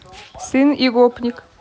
сын и гопник